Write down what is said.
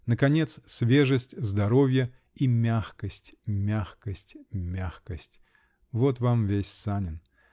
наконец, свежесть, здоровье -- и мягкость, мягкость, мягкость, -- вот вам весь Санин.